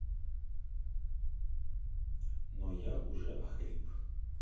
но я уже охрип